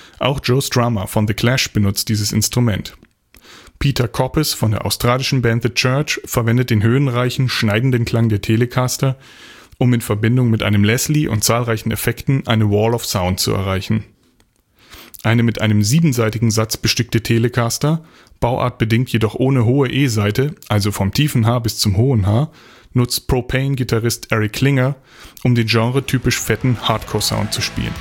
Auch Joe Strummer von The Clash benutzte dieses Instrument. Peter Koppes von der australischen Band The Church verwendet den höhenreichen, schneidenden Klang der Telecaster, um in Verbindung mit einem Leslie und zahlreichen Effekten eine „ Wall of Sound “zu erreichen. Eine mit einem siebensaitigen Satz bestückte Telecaster, bauartbedingt jedoch ohne hohe e-Saite (also vom tiefen H bis zum hohen h), nutzt Pro-Pain-Gitarrist Eric Klinger, um den genretypisch „ fetten “Hardcore-Sound zu spielen